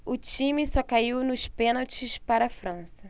o time só caiu nos pênaltis para a frança